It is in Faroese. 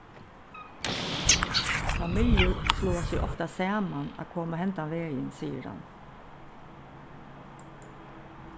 familjur sláa seg ofta saman at koma hendan vegin sigur hann